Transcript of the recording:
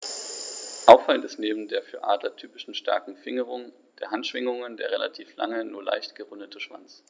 Auffallend ist neben der für Adler typischen starken Fingerung der Handschwingen der relativ lange, nur leicht gerundete Schwanz.